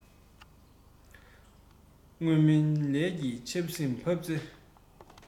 སྔོན སྨོན ལས ཀྱི ཆར ཟིམ བབས ཚེ